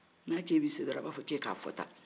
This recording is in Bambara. n'a k'i bɛ se dɔrɔn a b'a fɔ k'i k'a fɔ tan